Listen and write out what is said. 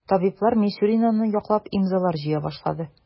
Табиблар Мисюринаны яклап имзалар җыя башлады.